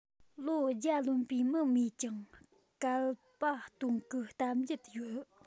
ལོ བརྒྱ ལོན པའི མི མེད ཀྱང བསྐལ པ སྟོང གི གཏམ རྒྱུད ཡོད